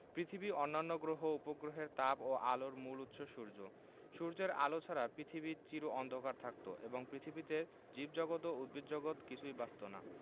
পৃথিবী অন্যান্য গ্রহ উপগ্রহের তাপ ও আলোর মূল উৎস সূর্য সূর্যের আলো ছাড়া পৃথিবী চির অন্ধকার থাকত এবং পৃথিবীতে জীবজগত ও উদ্ভিদজগৎ কিছুই বাঁচত না